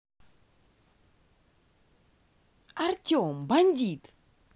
артем бандит